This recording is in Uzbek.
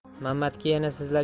mamatga yana sizlab